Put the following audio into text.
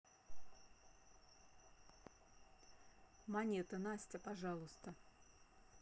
монета настя пожалуйста